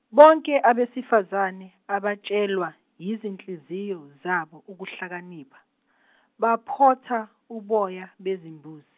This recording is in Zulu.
bonke abesifazane abatshelwa yizinhliziyo zabo ukuhlakanipha , baphotha uboya bezimbuzi.